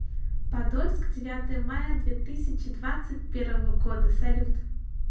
подольск девятое мая две тысячи двадцать первого года салют